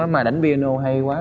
mà đánh pi a nô hay quá mà